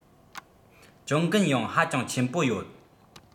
གྱོང གུན ཡང ཧ ཅང ཆེན པོ ཡོད